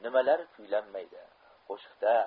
nimalar kuylanmaydi qo'shiqda